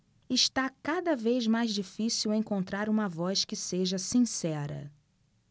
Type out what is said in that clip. está cada vez mais difícil encontrar uma voz que seja sincera